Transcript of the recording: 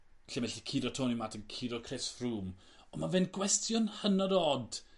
lle ma' 'lly curo Tony Martin curo Chris Froome on' ma' fe'n gwestiwn hynod o od